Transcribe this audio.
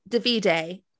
Davide?